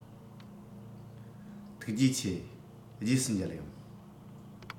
ཐུགས རྗེ ཆེ རྗེས སུ མཇལ ཡོང